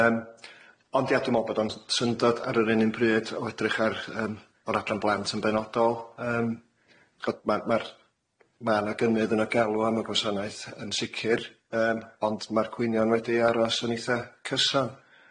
Yym ond ia dwi me'wl bod o'n s- syndod ar yr un un pryd o edrych ar yym o'r adran blant yn benodol yym ch'od ma' ma'r ma' na gynnydd yn y galw am y gwasanaeth yn sicir yym ond ma'r cwynion wedi aros yn eitha cyson.